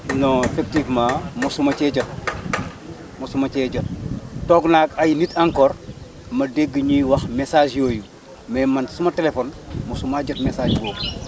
non effectivement mosuma see jot mosuma see jot toog naa ak ay nit encore ma dégg ñuy wax message yooyu mais man suma téléphone mosumaa jot message boobu